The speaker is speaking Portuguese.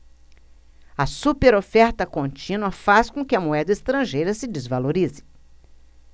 a superoferta contínua faz com que a moeda estrangeira se desvalorize